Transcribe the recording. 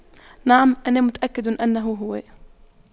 نعم أنا متأكد أنه هو